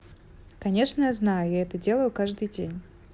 конечно я знаю я это делаю каждый день